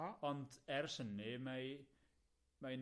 Ond ers hynny, mae mae...